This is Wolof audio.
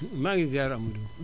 maa ngi ziar Amady